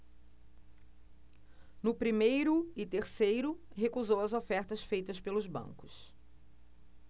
no primeiro e terceiro recusou as ofertas feitas pelos bancos